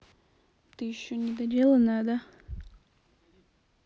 ты еще не доделанная да